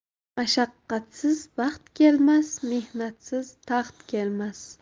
mashaqqatsiz baxt kelmas mehnatsiz taxt kelmas